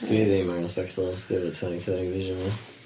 Dwi ddim angan Sbectols. Dwi efo tweny tweny vision, ia.